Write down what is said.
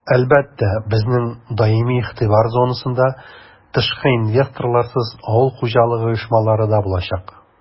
Әлбәттә, безнең даими игътибар зонасында тышкы инвесторларсыз авыл хуҗалыгы оешмалары да булачак.